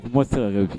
U ma saya kɛ